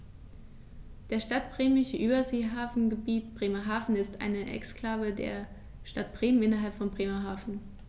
Das Stadtbremische Überseehafengebiet Bremerhaven ist eine Exklave der Stadt Bremen innerhalb von Bremerhaven.